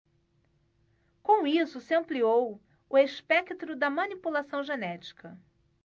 com isso se ampliou o espectro da manipulação genética